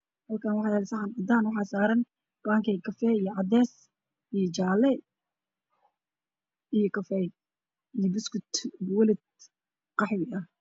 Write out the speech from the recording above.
Hakan wax yaalo saxan cadaan ah wax ku jiro kafee iyo buskut